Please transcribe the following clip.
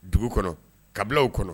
Dugu kɔnɔ, kabilalaw kɔnɔ